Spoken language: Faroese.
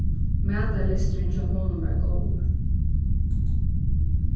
matarlysturin hjá honum var góður